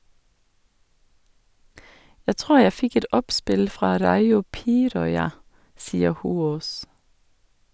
- Jeg tror jeg fikk et oppspill fra Raio Piiroja, sier Hoås.